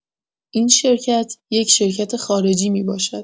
این شرکت، یک شرکت خارجی می‌باشد.